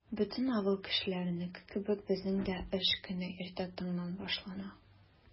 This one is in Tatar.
Бөтен авыл кешеләренеке кебек, безнең дә эш көне иртә таңнан башлана.